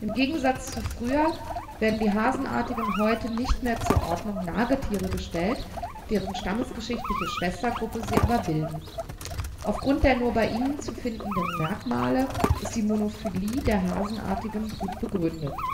Gegensatz zu früher werden die Hasenartigen heute nicht mehr zur Ordnung Nagetiere gestellt, deren stammesgeschichtliche Schwestergruppe sie aber bilden. Aufgrund der nur bei ihnen zu findenden Merkmale ist die Monophylie der Hasenartigen gut begründet